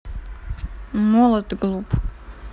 молод и глуп